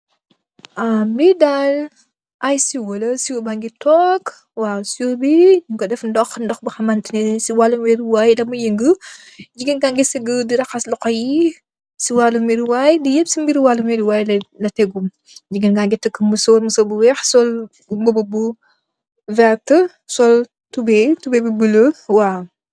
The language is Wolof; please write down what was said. Lii daal ay siwo la, siwo baa ngi toog, waaw, siwo bii, ñung ko def ndox, ndox boo xamante ne si waalum werru waay laay yëngu. Jigeen ga ngi sëggë, di raxas loxo yi, si waalu weru waay. Jigeen ga ngi takkë musóor, musóor bu weex, sol mbubu bu vértë, sol tubööy bu buluu, waaw.